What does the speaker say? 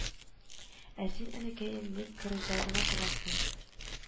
Ә син, энекәем, ник кырыйда гына торасың